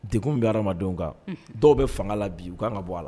Degun min bɛ adamadenw kan. Unhun. Dɔw bɛ fanga la bi u kan ka bɔ a la.